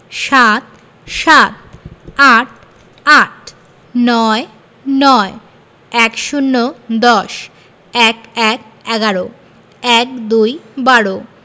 ৭ - সাত ৮ - আট ৯ - নয় ১০ – দশ ১১ - এগারো ১২ - বারো